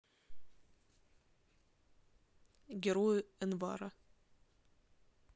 герои энвара